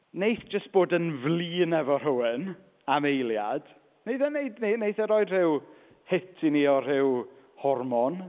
Wneith jyst bod yn flin efo rhywun am eiliad wneith e wneud... wneith e roi rhyw hit i ni o ryw hormon.